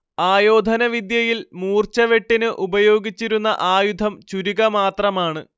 ആയോധനവിദ്യയിൽ മൂർച്ചവെട്ടിന് ഉപയോഗിച്ചിരുന്ന ആയുധം ചുരിക മാത്രമാണ്